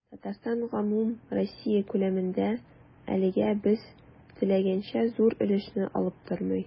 Татарстан гомумроссия күләмендә, әлегә без теләгәнчә, зур өлешне алып тормый.